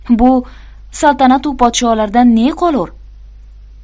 bu saltanatu podsholardan ne qolur